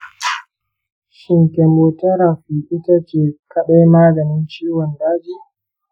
shin chemotherapy ita ce kaɗai maganin ciwon daji?